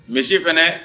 Misi fana